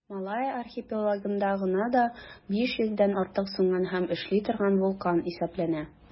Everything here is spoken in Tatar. Малайя архипелагында гына да 500 дән артык сүнгән һәм эшли торган вулкан исәпләнә.